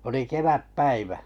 oli kevätpäivä